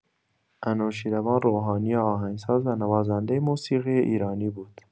انوشیروان روحانی آهنگساز و نوازنده موسیقی ایرانی بود.